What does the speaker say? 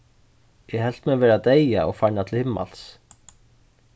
eg helt meg vera deyða og farna til himmals